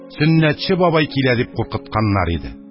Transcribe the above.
«сөннәтче бабай килә!» дип куркытканнар иде.